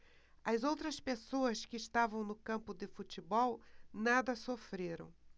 as outras pessoas que estavam no campo de futebol nada sofreram